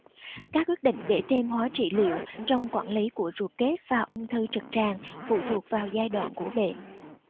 các quyết định để thêm hóa trị liệu trong quản lý của ruột kết và ung thư trực tràng phụ thuộc vào giai đoạn của bệnh